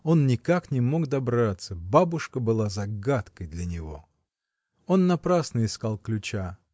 Он никак не мог добраться; бабушка была загадкой для него. Он напрасно искал ключа.